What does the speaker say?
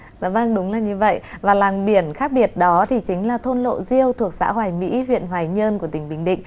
dạ vâng đúng là như vậy và làng biển khác biệt đó thì chính là thôn lộ diêu thuộc xã hoài mỹ huyện hoài nhơn tỉnh bình định